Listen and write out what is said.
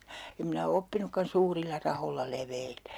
en minä ole oppinutkaan suurilla rahoilla leveilemään